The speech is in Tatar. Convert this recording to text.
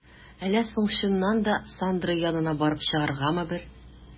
Әллә соң чыннан да, Сандра янына барып чыгаргамы бер?